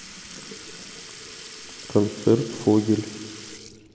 концерт фогель